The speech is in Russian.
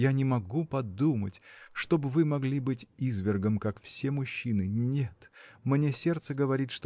я не могу подумать, чтоб вы могли быть извергом, как все мужчины: нет! мне сердце говорит